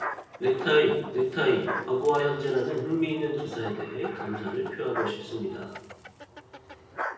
넥타이 넥타이 과거와 현재라는 흥미 있는 기사에 대해 감사를 표하고 싶습니다